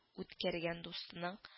Үткәргән дустының